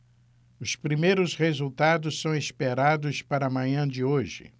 os primeiros resultados são esperados para a manhã de hoje